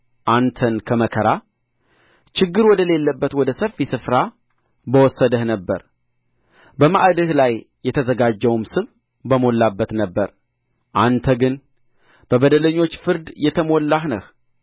አንተን ከመከራ ችግር ወደሌለበት ወደ ሰፊ ስፍራ በወሰደህ ነበር በማዕድህ ላይ የተዘጋጀውም ስብ በሞላበት ነበር አንተ ግን በበደለኞች ፍርድ የተሞላህ ነህ